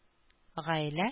Гаилә